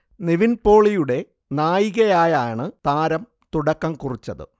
നിവിൻ പോളിയുടെ നായികയായാണ് താരം തുടക്കം കുറിച്ചത്